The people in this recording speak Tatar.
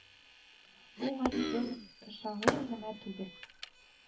Ул гади бер шагыйрь генә түгел